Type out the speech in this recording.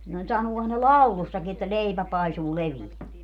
no sanoohan ne laulussakin että leipä paisuu leveä